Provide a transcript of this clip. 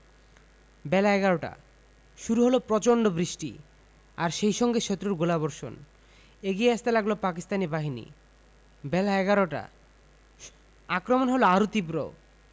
বেলা এগারোটা শুরু হলো প্রচণ্ড বৃষ্টি আর সেই সঙ্গে শত্রুর গোলাবর্ষণ এগিয়ে আসতে লাগল পাকিস্তানি বাহিনী বেলা এগারোটা আক্রমণ হলো আরও তীব্র